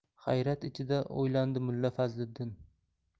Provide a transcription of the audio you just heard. hayrat ichida o'ylandi mulla fazliddin